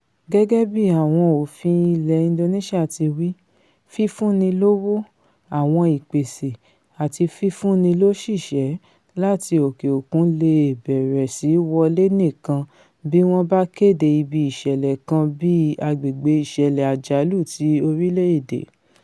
Gẹ́gẹ́ bí àwọn òfin ilẹ̀ Indonesia ti wí, fífúnnilówó, àwọn ìpèsè àti fífúnnilóṣìṣẹ́ láti òkè-òkun leè bẹ̀rẹ̀ sí wọlé nìkan bí wọ́n bá kéde ibi ìṣẹ̀lẹ̀ kan bíi agbègbè̀̀ ìṣẹ̀lẹ̀ àjálù ti orílẹ̀-èdè.